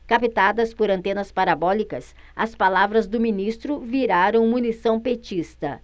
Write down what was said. captadas por antenas parabólicas as palavras do ministro viraram munição petista